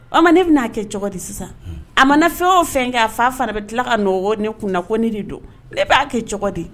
O ma ne bɛna'a kɛ cogo di sisan a ma ne fɛn o fɛn kɛ a fa fana bɛ tila ka nɔ ne kunna ko ne de don ne'a kɛ cogo de